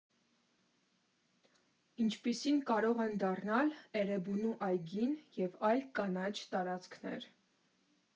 Ինչպիսին կարող են դառնալ Էրեբունու այգին և այլ կանաչ տարածքներ.